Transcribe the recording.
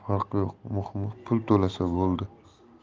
farqi yo'q muhimi pul to'lasa bo'ldi